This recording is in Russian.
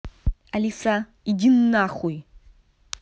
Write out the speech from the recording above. алиса иди нахуй